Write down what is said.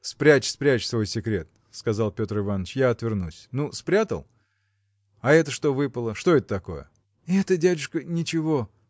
– Спрячь, спрячь свой секрет, – сказал Петр Иваныч, – я отвернусь. Ну, спрятал? А это что выпало? что это такое? – Это, дядюшка, ничего.